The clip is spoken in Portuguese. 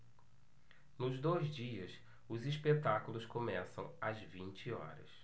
nos dois dias os espetáculos começam às vinte horas